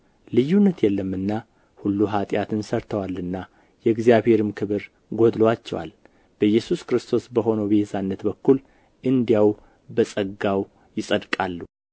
ልዩነት የለምና ሁሉ ኃጢአትን ሠርተዋልና የእግዚአብሔርም ክብር ጎድሎአቸዋል በኢየሱስ ክርስቶስም በሆነው ቤዛነት በኩል እንዲያው በጸጋው ይጸድቃሉ